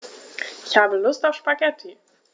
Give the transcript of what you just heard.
Ich habe Lust auf Spaghetti.